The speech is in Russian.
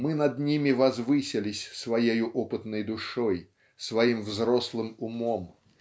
Мы над ними возвысились своею опытной душой своим взрослым умом